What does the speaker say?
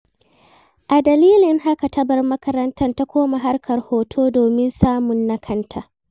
A dalilin haka, ta bar makaranta ta koma harkar hoto domin samun na kanta.